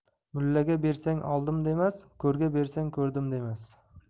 mullaga bersang oldim demas ko'rga bersang ko'rdim demas